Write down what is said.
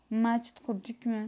machit qurdikmi